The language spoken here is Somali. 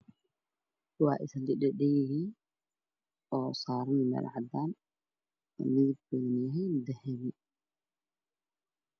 Waxaa ii muuqda laba bilood oo midabkoodu yahay jaallo oo cycle ah